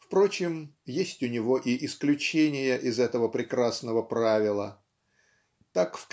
Впрочем, есть у него и исключения из этого прекрасного правила так